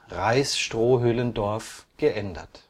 Reisstrohhüllen-Dorf) geändert